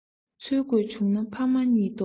འཚོལ དགོས བྱུང ན ཕ མ རྙེད མདོག མེད